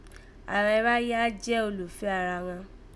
Àghan iráyé a jẹ́ olùfẹ́ ara ghan